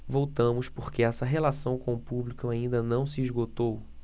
voltamos porque essa relação com o público ainda não se esgotou